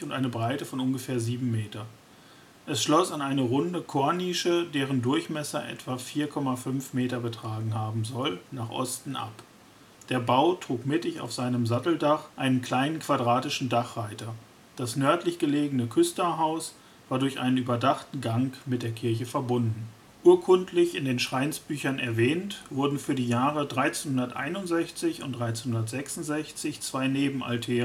eine Breite von ungefähr 7 m. Es schloss mit einer runden Chornische, deren Durchmesser etwa 4,50 m betragen haben soll, nach Osten ab. Der Bau trug mittig auf seinem Satteldach einen kleinen quadratischen Dachreiter. Das nördlich gelegene Küsterhaus war durch einen überdachten Gang mit der Kirche verbunden. Urkundlich in den Schreinsbüchern erwähnt wurden für die Jahre 1361 und 1366 zwei Nebenaltäre